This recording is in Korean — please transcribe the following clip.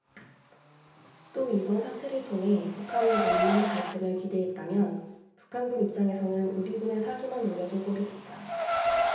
또 이번 사태를 통해 북한이 남 남 갈등을 기대했다면 북한군 입장에서는 우리군의 사기만 올려준 꼴이 됐다